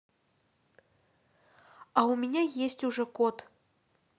а у меня есть уже кот